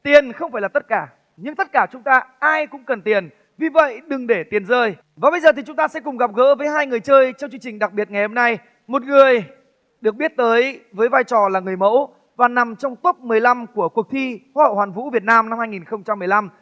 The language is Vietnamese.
tiền không phải là tất cả nhưng tất cả chúng ta ai cũng cần tiền vì vậy đừng để tiền rơi và bây giờ thì chúng ta sẽ cùng gặp gỡ với hai người chơi trong chương trình đặc biệt ngày hôm nay một người được biết tới với vai trò là người mẫu và nằm trong tốp mười lăm của cuộc thi hoa hậu hoàn vũ việt nam năm hai nghìn không trăm mười lăm